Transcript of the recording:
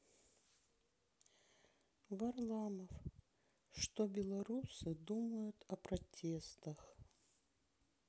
варламов что белорусы думают о протестах